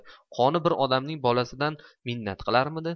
qoni bir odamning bolasidan minnat qilarmidi